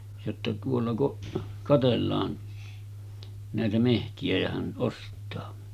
jotta tuolla kun katsellaan näitä metsiä ja hän ostaa